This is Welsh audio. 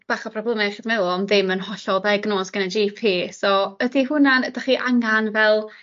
bach o broblema iechyd meddwl ond ddim yn hollol ddiagnosed gan y Gee Pee so ydi hwnna'n 'dach chi angan fel